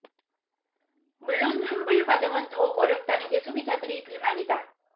물론 환불과정은 더욱 어렵다는 게 소비자들의 불만이다